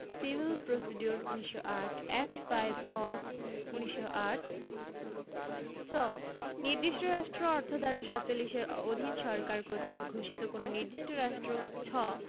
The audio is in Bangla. civil procedure ১৯০৮ act five of ১৯০৮ চ নির্দিষ্ট রাষ্ট্র অর্থ ধারা ৪৭ এর অধীন সরকার কর্তৃক ঘোষিত কোন নির্দিষ্ট রাষ্ট্র ছ